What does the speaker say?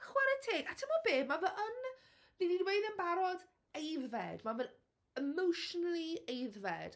Chware teg, a timod be, mae fe yn, fi di dweud yn barod, aeddfed. Mae fe'n emotionally aeddfed.